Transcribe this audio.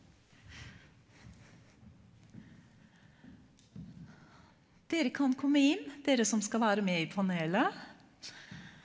dere kan komme inn dere som skal være med i panelet.